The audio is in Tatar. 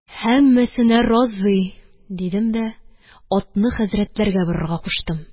– һәммәсенә разый, – дидем дә атны хәзрәтләргә борырга куштым